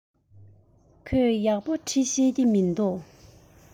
ཁོས ཡག པོ འབྲི ཤེས ཀྱི མིན འདུག